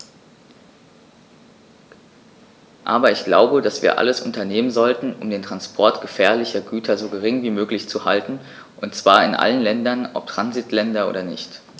Aber ich glaube, dass wir alles unternehmen sollten, um den Transport gefährlicher Güter so gering wie möglich zu halten, und zwar in allen Ländern, ob Transitländer oder nicht.